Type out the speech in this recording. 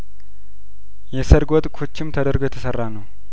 የሰርጉ ወጥ ኩችም ተደርጐ የተሰራ ነው